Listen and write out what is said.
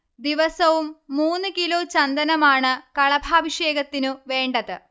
ദിവസവും മൂന്ന് കിലോ ചന്ദനമാണ് കളഭാഭിഷേകത്തിനു വേണ്ടത്